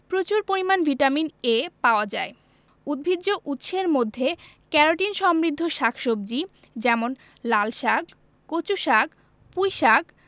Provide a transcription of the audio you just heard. প্রচুর পরিমান vitamin A পাওয়া যায় উদ্ভিজ্জ উৎসের মধ্যে ক্যারোটিন সমৃদ্ধ শাক সবজি যেমন লালশাক কচুশাক পুঁইশাক